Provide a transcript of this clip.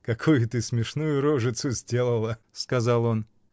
— Какую ты смешную рожицу сделала, — сказал он.